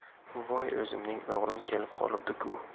voy o'zimning o'g'lim kelib qolibdi ku